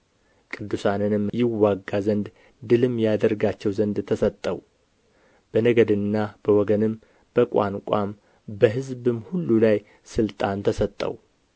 ቅዱሳንንም ይዋጋ ዘንድ ድልም ያደርጋቸው ዘንድ ተሰጠው በነገድና በወገንም በቋንቋም በሕዝብም ሁሉ ላይ ሥልጣን ተሰጠው